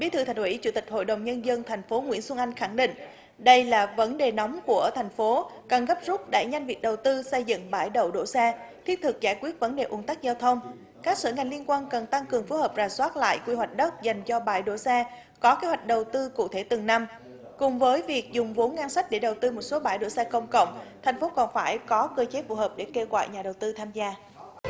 bí thư thành ủy chủ tịch hội đồng nhân dân thành phố nguyễn xuân anh khẳng định đây là vấn đề nóng của thành phố cần gấp rút đẩy nhanh việc đầu tư xây dựng bãi đậu đỗ xe thiết thực giải quyết vấn đề ùn tắc giao thông các sở ngành liên quan cần tăng cường phối hợp rà soát lại quy hoạch đất dành cho bãi đỗ xe có kế hoạch đầu tư cụ thể từng năm cùng với việc dùng vốn ngân sách để đầu tư một số bãi đỗ xe công cộng thành phố còn phải có cơ chế phù hợp để kêu gọi nhà đầu tư tham gia